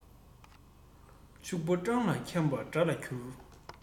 ཕྱུག པོ སྤྲང ལ འཁྱམས པ དགྲ ལ འགྱུར